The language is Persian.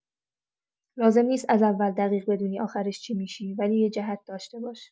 لازم نیست از اول دقیق بدونی آخرش چی می‌شی، ولی یه جهت داشته باش.